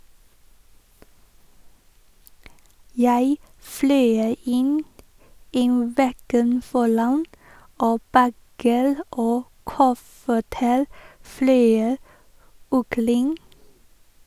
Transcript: Jeg fløy inn i veggen foran, og bager og kofferter fløy omkring.